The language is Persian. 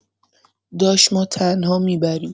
داش ما تنها می‌بریم